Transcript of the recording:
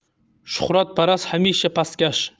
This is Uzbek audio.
shuhratparast hamisha pastkash